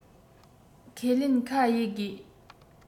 ཁས ལེན ཁ དབྱེ དགོས